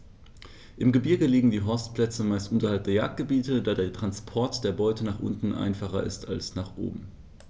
Im Gebirge liegen die Horstplätze meist unterhalb der Jagdgebiete, da der Transport der Beute nach unten einfacher ist als nach oben.